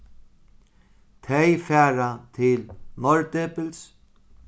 tey fara til norðdepils